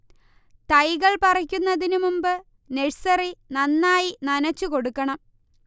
തൈകൾ പറിക്കുന്നതിന് മുമ്പ് നഴ്സറി നന്നായി നനച്ചുകൊടുക്കണം